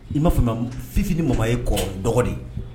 I m'a fana fifiinin mama ye kɔrɔ dɔgɔ de